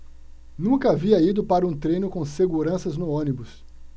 nunca havia ido para um treino com seguranças no ônibus